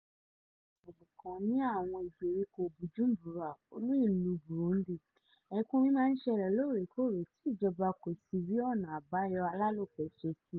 Ní àwọn agbègbè kan ní àwọn ìgbèríko Bujumbura, olúìlú Burundi, ẹ̀kún-omi máa ń ṣẹlẹ̀ lóòrèkóòrè tí ìjọba kò sì rí ọ̀nà-àbáyọ alálòpẹ́ ṣe síi.